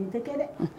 Ni tɛ kɛ dɛ.